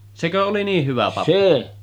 Sekö oli niin hyvä pappi